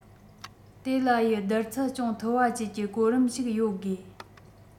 དེ ལ ཡི བསྡུར ཚད ཅུང མཐོ བ བཅས ཀྱི གོ རིམ ཞིག ཡོད དགོས